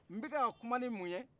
n bɛ kan ka kuma ni mun ye